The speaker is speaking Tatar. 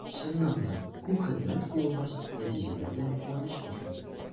Чыннан да, күп хезмәт куелгач, нәтиҗәләр дә куанычлы шул.